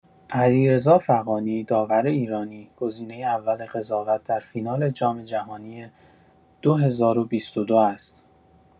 علیرضا فغانی، داور ایرانی، گزینه اول قضاوت در فینال جام‌جهانی ۲۰۲۲ است.